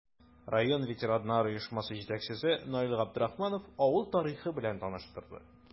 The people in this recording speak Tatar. Район ветераннар оешмасы җитәкчесе Наил Габдрахманов авыл тарихы белән таныштырды.